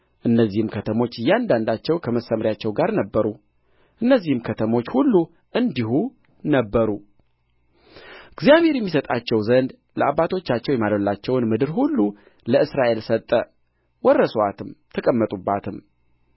እነዚህም ከተሞች እያንዳንዳቸው ከመሰምርያቸው ጋር ነበሩ እነዚህም ከተሞች ሁሉ እንዲሁ ነበሩ እግዚአብሔርም ይሰጣቸው ዘንድ ለአባቶቻቸው የማለላቸውን ምድር ሁሉ ለእስራኤል ሰጠ ወረሱአትም ተቀመጡባትም